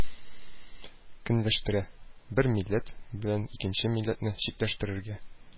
Кенләштерә, бер милләт белән икенче милләтне чәкештерергә